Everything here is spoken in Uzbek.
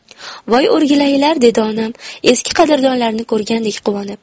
voy o'rgilaylar dedi onam eski qadrdonlarini ko'rgandek quvonib